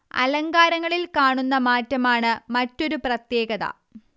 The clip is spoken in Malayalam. അലങ്കാരങ്ങളിൽ കാണുന്ന മാറ്റമാണ് മറ്റൊരു പ്രത്യേകത